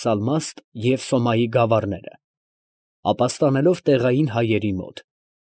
Սալմաստ և Սոմայի գավառները, ապաստանելով տեղային հայերի մոտ։